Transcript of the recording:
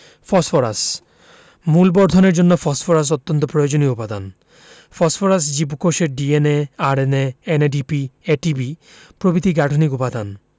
phosphorus মূল বর্ধনের জন্য ফসফরাস অত্যন্ত প্রয়োজনীয় উপাদান ফসফরাস জীবকোষের ডিএনএ আরএনএ এনএডিপি এটিপি প্রভৃতির গাঠনিক উপাদান